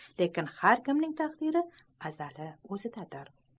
lekin har kimning taqdiri azali o'zida